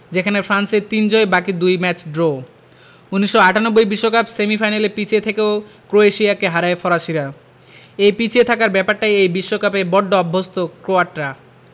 সেখানে ফ্রান্সের তিন জয় বাকি দুই ম্যাচ ড্র ১৯৯৮ বিশ্বকাপ সেমিফাইনালে পিছিয়ে থেকেও ক্রোয়েশিয়াকে হারায় ফরাসিরা এই পিছিয়ে থাকার ব্যাপারটায় এই বিশ্বকাপে বড্ড অভ্যস্ত ক্রোয়াটরা